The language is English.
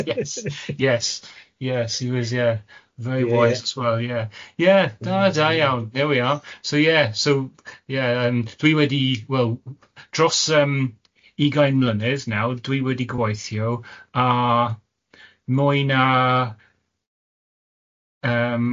Yes yes yes he was yeah very wise as well yeah, yeah da da iawn, there we are so yeah so yeah yym dwi wedi wel, dros yym ugain mlynedd nawr dwi wedi gwaithio a mwy na yym